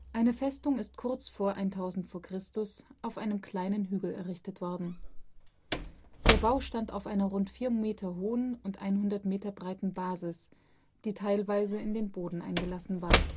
Eine Festung ist kurz vor 1000 v. Chr. auf einem kleinen Hügel errichtet worden. Der Bau stand auf einer rund 4 Meter hohen und 100 Meter breiten Basis, die teilweise in den Boden eingelassen war